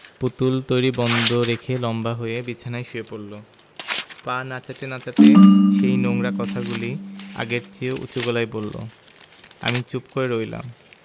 পুতুল তৈরী বন্ধ রেখে লম্বা হয়ে বিছানায় শুয়ে পড়লো পা নাচাতে নাচাতে সেই নোংরা কথাগুলি আগের চেয়েও উচু গলায় বললো আমি চুপ করে রইলাম